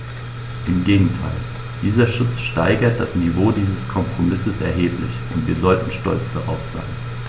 Im Gegenteil: Dieser Schutz steigert das Niveau dieses Kompromisses erheblich, und wir sollten stolz darauf sein.